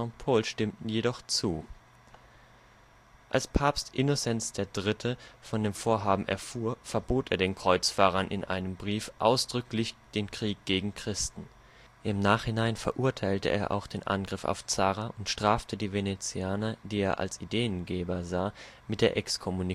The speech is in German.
Pol, stimmten jedoch zu. Als Papst Innozenz III. von dem Vorhaben erfuhr, verbot er den Kreuzfahrern in einem Brief ausdrücklich den Krieg gegen Christen. Im Nachhinein verurteilte er auch den Angriff auf Zara, und strafte die Venezianer, die er als Ideengeber sah, mit der Exkommunikation. Der